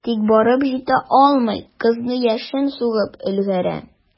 Тик барып җитә алмый, кызны яшен сугып өлгерә.